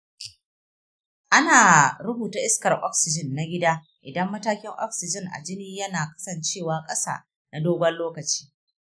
ana rubuta iskar oxygen na gida idan matakin oxygen a jini yana kasancewa ƙasa na dogon lokaci.